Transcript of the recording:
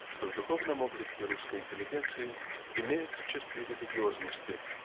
что в духовном облике русской интеллигенции имеются черты религиозности